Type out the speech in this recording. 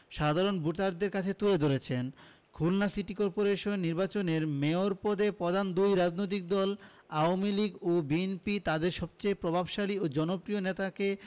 সাধারণ ভোটারদের কাছে তুলে ধরেছেন খুলনা সিটি করপোরেশন নির্বাচনে মেয়র পদে প্রধান দুই রাজনৈতিক দল আওয়ামী লীগ ও বিএনপি তাদের সবচেয়ে প্রভাবশালী ও জনপ্রিয় নেতাকে